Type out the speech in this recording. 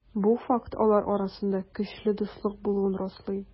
Бу факт алар арасында көчле дуслык булуын раслый.